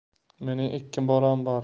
mening ikki bolam